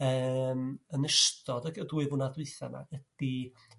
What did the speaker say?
yrm yn ystod y g- dwy flynadd d'wytha' 'ma ydi